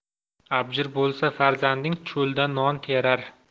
abjir bo'lsa farzanding cho'ldan non terar